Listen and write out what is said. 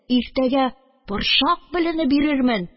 Иртәгә борчак белене бирермен...